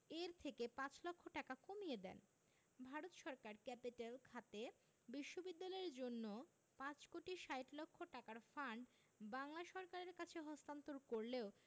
এর থেকে পাঁচ লক্ষ টাকা কমিয়ে দেন ভারত সরকার ক্যাপিটেল খাতে বিশ্ববিদ্যালয়ের জন্য ৫ কোটি ৬০ লক্ষ টাকার ফান্ড বাংলা সরকারের কাছে হস্তান্তর করলেও